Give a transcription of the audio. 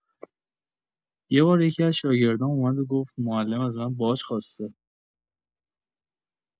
یه بار یکی‌از شاگردام اومد و گفت معلم از من باج خواسته!